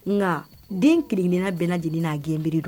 Nka den keleninina bɛn lajɛlen n'a gɛnereri don